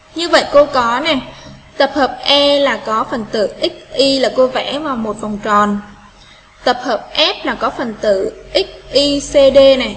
như vậy cô có nè tập hợp e là có phần tử x y là cô vẽ và một vòng tròn tập hợp s là có phần tử x y cd